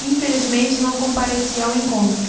infelizmente não compareci ao encontro